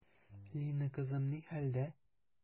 Лина кызым ни хәлдә?